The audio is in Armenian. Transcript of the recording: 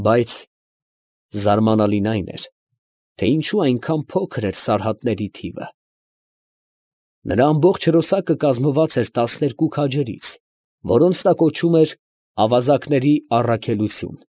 Բայց զարմանալին այն էր, թե ինչո՞ւ այնքան փոքր էր սարհատների թիվը. նրա ամբողջ հրոսակը կազմված էր տասներկու քաջերից, որոնց նա կոչում էր «ավազակների առաքելություն»։ ֊